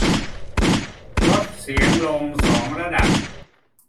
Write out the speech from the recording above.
ลดเสียงลงสองระดับ